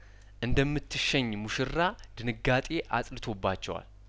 እንደምትሸኝ ሙሽራ ድንጋጤ አጥልቶባቸዋል